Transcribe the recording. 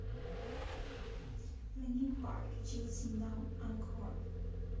linkin park jay z numb encore